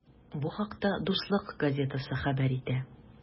Бу хакта “Дуслык” газетасы хәбәр итә.